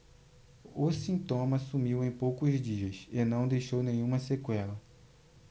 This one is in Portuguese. o sintoma sumiu em poucos dias e não deixou nenhuma sequela